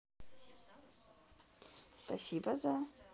спасибо за